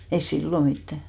ei silloin mitään